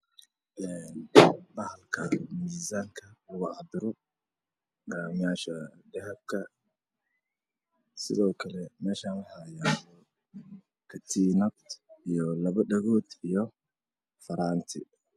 Gashaan oo meesha daah-faagado waxaa yaalo miisaanka lagu cabiro dahabka sidoo kale waxaa yaalla dhaga-dhago iyo tiinad